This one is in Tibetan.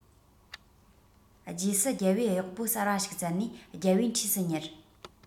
རྗེས སུ རྒྱལ པོས གཡོག པོ གསར པ ཞིག བཙལ ནས རྒྱལ པོའི འཁྲིས སུ ཉར